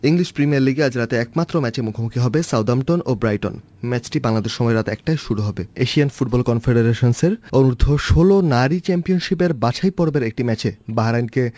ইংলিশপ্রিমিয়ারর লীগে আজ রাতে একমাত্র ম্যাচে মুখোমুখি হবে সাউদাম্পটন ও ব্রাইটন ম্যাচটি বাংলাদেশ সময় একটায় শুরু হবে এশিয়ান ফুটবল কনফেডারেশন্সের অনূর্ধ্ব ১৬ নারী চ্যাম্পিয়নশিপ এর বাছাই পর্বের একটি ম্যাচে বাহারাইন কে